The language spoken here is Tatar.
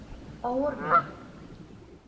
Авыр миңа...